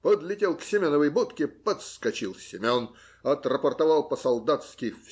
Подлетел к Семеновой будке; подскочил Семен, отрапортовал по-солдатски.